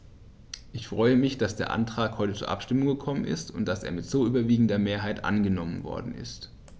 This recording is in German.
Ich freue mich, dass der Antrag heute zur Abstimmung gekommen ist und dass er mit so überwiegender Mehrheit angenommen worden ist.